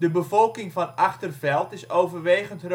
bevolking van Achterveld is overwegend